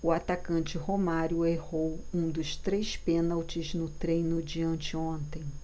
o atacante romário errou um dos três pênaltis no treino de anteontem